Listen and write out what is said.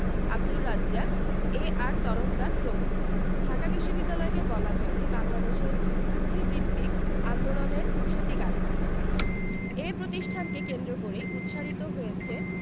Abdur Razzak M R Tarafdar প্রমুখ মসজিদ ঢাকা বিশ্ববিদ্যালয়কে বলা চলে বাংলাদেশের বুদ্ধিবৃত্তিক আন্দোলনের সূতিকাগার এ প্রতিষ্ঠানকে কেন্দ্র করেই উৎসারিত হয়েছে